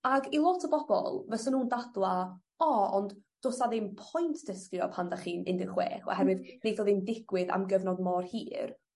Ag i lot o bobol fysan nw'n dadla ond do's 'a ddim point dysgu o pan 'dach chi'n un de' chwech oherwydd neith o ddim digwydd am gyfnod mor hir